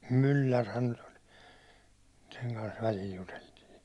Myllärihän nyt oli sen kanssa välillä juteltiin